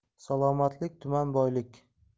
salomatlik tuman boylik